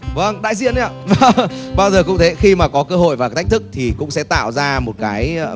vâng đại diện ấy ạ bao giờ cũng thế khi mà có cơ hội và thách thức thì cũng sẽ tạo ra một cái